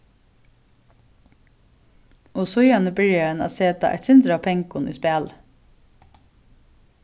og síðani byrjaði hann at seta eitt sindur av pengum í spælið